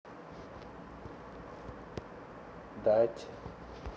дать